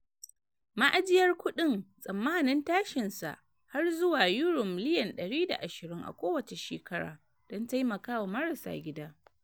Ma’ajiyar kudin tsammanin tashin sa har zuwa miliyan £120 a kowace shekara - don taimaka wa marasa gida